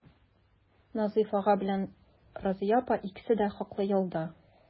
Назыйф ага белән Разыя апа икесе дә хаклы ялда.